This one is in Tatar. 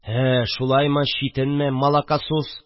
– һе, шулаймы, читенме, малакасус